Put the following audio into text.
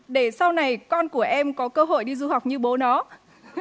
để sau này con của em có cơ hội đi du học như bố nó